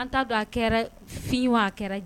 An ta don a kɛra f a kɛra